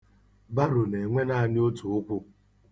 Baro na-enwe naanị otu ụkwụ.